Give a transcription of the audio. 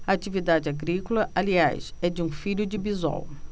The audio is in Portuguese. a atividade agrícola aliás é de um filho de bisol